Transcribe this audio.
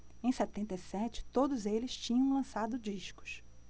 em setenta e sete todos eles tinham lançado discos